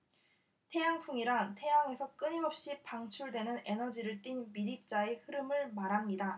태양풍이란 태양에서 끊임없이 방출되는 에너지를 띤 미립자의 흐름을 말합니다